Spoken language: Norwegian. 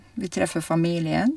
Vi treffer familien.